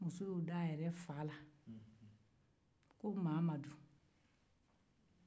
muso y'o d'a yɛrɛ fa la ko mamadu